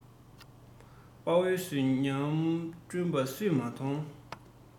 དཔའ བོའི གཟུགས བརྙན བསྐྲུན པ སུས མ མཐོང